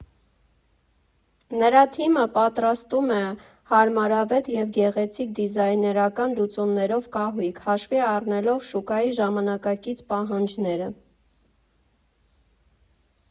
Նրա թիմը պատրաստում է հարմարավետ և գեղեցիկ դիզայներական լուծումներով կահույք՝ հաշվի առնելով շուկայի ժամանակակից պահանջները։